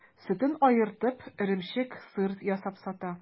Сөтен аертып, эремчек, сыр ясап сата.